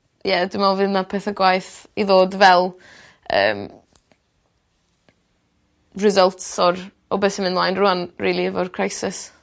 Ie dwi me'wl fydd 'na pethe gwaeth i ddod fel yym results o'r o be' sy'n myn' mlaen rŵan rili efo'r crisis.